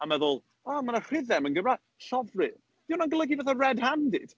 A meddwl, o, ma' 'na rhyddem yn gymra-... Llofrudd. 'Di hynna'n golygu fatha "red-handed"?